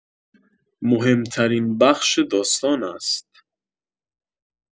مهم‌ترین بخش داستان است